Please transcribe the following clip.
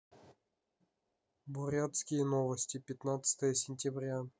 бурятские новости пятнадцатое сентября